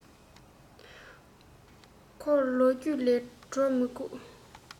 འཁོར ལོས བསྒྱུར ལ གྲོགས མི དགོས